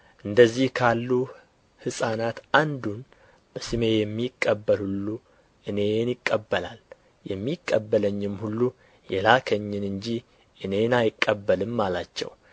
እንደዚህ ካሉ ሕፃናት አንዱን በስሜ የሚቀበል ሁሉ እኔን ይቀበላል የሚቀበለኝም ሁሉ የላከኝን እንጂ እኔን አይቀበልም አላቸው